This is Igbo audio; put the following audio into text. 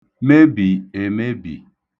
mebì (èmebì)